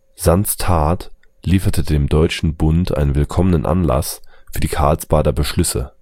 Sands Tat lieferte dem Deutschen Bund einen willkommenen Anlass für die Karlsbader Beschlüsse